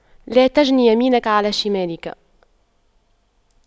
لا تجن يمينك على شمالك